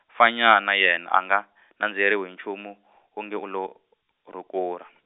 Fanyana yena a nga , nandziheriwi hi nchumu , wongi u lo, rhukurha.